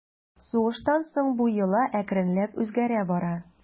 Сугыштан соң бу йола әкренләп үзгәрә бара.